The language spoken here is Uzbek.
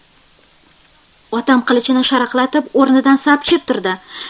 otam qilichini sharaqlatib o'rnidan sapchib turdi